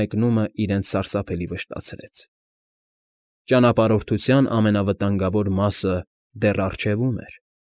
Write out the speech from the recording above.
Մեկնումն իրենց սարսափելի վշտացրեց։ Ճանապարհորդության ամենավտանգավոր մասը դեռ առջևում էր։